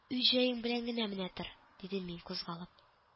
Үз җаең белән генә менә тор,— дидем мин, кузгалып